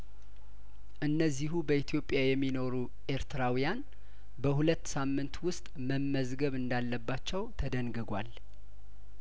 እነዚሁ በኢትዮጵያ የሚኖሩ ኤርትራውያን በሁለት ሳምንት ውስጥ መመዝገብ እንዳለባቸው ተደንግጓል